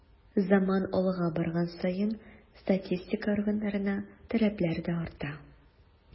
Заман алга барган саен статистика органнарына таләпләр дә арта.